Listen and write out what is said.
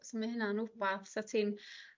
so ma' hynna'n wbath 's o' ti'n